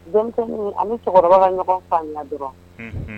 Denmisɛniw ani cɛkɔrɔba ka ɲɔgɔn faamua dɔrɔnw!